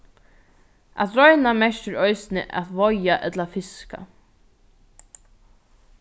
at royna merkir eisini at veiða ella fiska